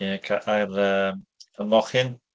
Ie, cy-, a'r yym, y mochyn.